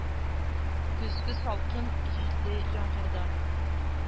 Көзге салкын, җилле яңгырда.